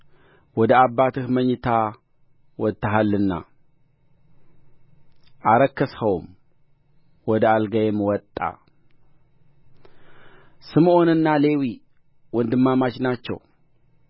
ወደ አባትህ መኝታ ወጥተሃልና አረከስኸውም ወደ አልጋዬም ወጣ ስምዖንና ሌዊ ወንድማማች ናቸው